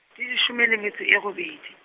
di leshome le metso e robedi.